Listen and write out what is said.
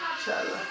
incha allah